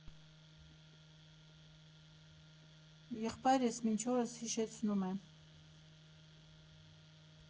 Եղբայրս մինչ օրս հիշեցնում է։